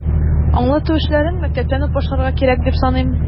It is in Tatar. Аңлату эшләрен мәктәптән үк башларга кирәк, дип саныйм.